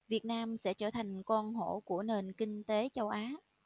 việt nam sẽ trở thành con hổ của nền kinh tế châu á